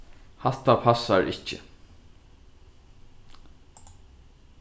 hatta passar ikki